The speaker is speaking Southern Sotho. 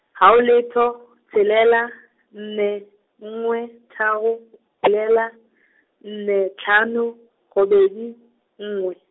haho letho, tshelela, nne, nngwe, tharo, tshelela, nne, hlano, robedi, nngwe.